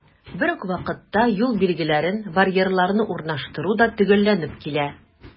Бер үк вакытта, юл билгеләрен, барьерларны урнаштыру да төгәлләнеп килә.